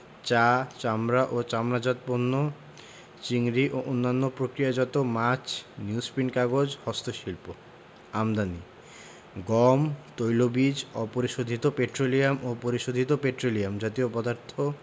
চা চামড়া ও চামড়াজাত পণ্য চিংড়ি ও অন্যান্য প্রক্রিয়াজাত মাছ নিউজপ্রিন্ট কাগজ হস্তশিল্প আমদানিঃ গম তৈলবীজ অপরিশোধিত পেট্রোলিয়াম ও পরিশোধিত পেট্রোলিয়াম জাতীয় পদার্থ